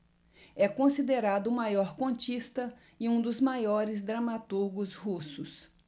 é considerado o maior contista e um dos maiores dramaturgos russos